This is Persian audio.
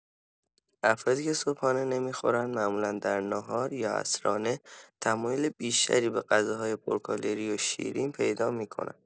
افرادی که صبحانه نمی‌خورند معمولا در ناهار یا عصرانه تمایل بیشتری به غذاهای پرکالری و شیرین پیدا می‌کنند.